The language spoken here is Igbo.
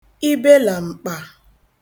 ibelam̀kpà